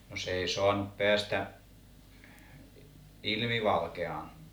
no se ei saanut päästä ilmivalkeaan